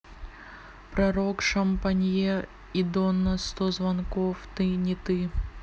пророк шампанье и donna сто звонков ты не ты